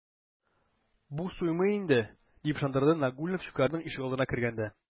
Бу суймый инде, - дип ышандырды Нагульнов Щукарьның ишегалдына кергәндә.